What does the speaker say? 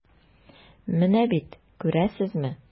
Менә бит, күрәсезме.